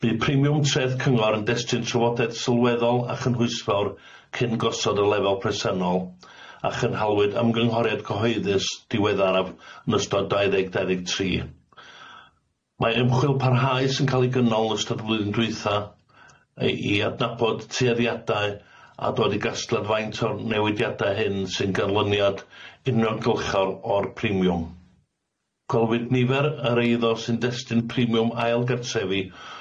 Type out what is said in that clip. Bu primiwm Tredd Cyngor yn destun trafodaeth sylweddol a chynhwysfawr cyn gosod y lefel presennol, a chynhalwyd ymgynghoriad cyhoeddus diweddar yn ystod dau ddeg dau ddeg tri. Mae ymchwil parhaus yn ca'l ei gynnol yn ystod y flwyddyn dwytha i i adnabod tueddiadau a dod i gasgliad faint o'r newidiadau hyn sy'n ganlyniad uniongyrchol o'r primiwm. Gwelwyd nifer yr eiddo sy'n destun primiwm ail gartrefi